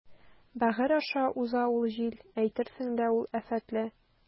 Бәгырь аша уза ул җил, әйтерсең лә ул афәтле.